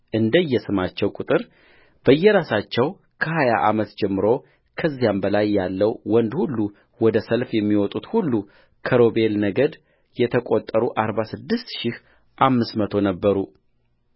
እንደየስማቸው ቍጥር በየራሳቸው ከሀያ ዓመት ጀምሮ ከዚያም በላይ ያለው ወንድ ሁሉ ወደ ሰልፍ የሚወጡት ሁሉከሮቤል ነገድ የተቈጠሩ አርባ ስድስት ሺህ አምስት መቶ ነበሩ